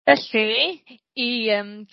...felly i yym